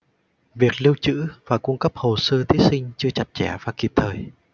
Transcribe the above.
việc lưu trữ và cung cấp hồ sơ thí sinh chưa chặt chẽ và kịp thời